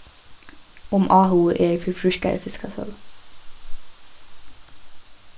um áhugi er fyri frískari fiskasølu